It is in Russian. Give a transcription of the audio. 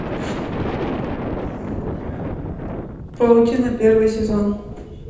паутина первый сезон